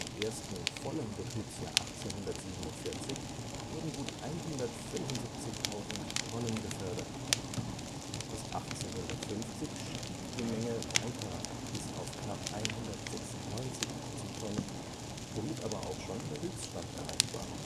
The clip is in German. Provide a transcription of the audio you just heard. ersten vollen Betriebsjahr 1847 wurden gut 175.000 Tonnen befördert, bis 1850 stieg die Menge weiter bis auf knapp 196.000 Tonnen, womit aber auch schon der Höchststand erreicht war